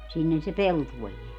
sinnehän se peltoon jää